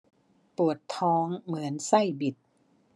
ปวดท้องเหมือนไส้บิด